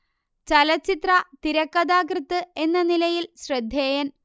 ചലച്ചിത്ര തിരക്കഥാകൃത്ത് എന്ന നിലയിൽ ശ്രദ്ധേയൻ